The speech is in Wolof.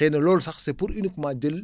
xëy na loolu sax c' est pour uniquement jël